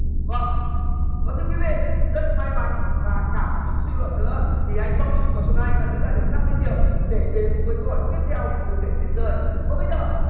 vâng và thưa quý vị rất may mắn và cả một chút suy luận nữa thì anh quang trung và xuân anh đã giữ lại được năm mươi triệu để đến với câu hỏi tiếp theo của đừng để tiền rơi và bây giờ